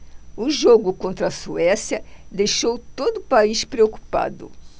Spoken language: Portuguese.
o jogo contra a suécia deixou todo o país preocupado